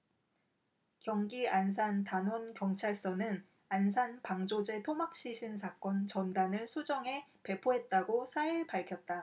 경기 안산단원경찰서는 안산 방조제 토막시신 사건 전단을 수정해 배포했다고 사 일 밝혔다